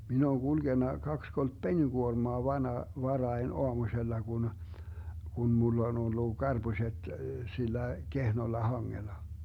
minä olen kulkenut kaksi kolme penikuormaa - varhain aamusella kun kun minulla on ollut karpuset sillä kehnolla hangella